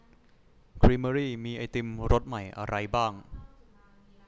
ครีมเมอรี่มีไอติมรสใหม่อะไรบ้าง